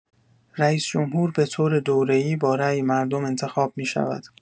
رئیس‌جمهور به‌طور دوره‌ای با رای مردم انتخاب می‌شود.